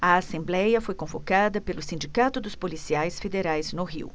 a assembléia foi convocada pelo sindicato dos policiais federais no rio